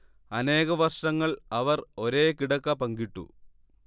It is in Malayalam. അനേക വർഷങ്ങൾ അവർ ഒരേ കിടക്ക പങ്കിട്ടു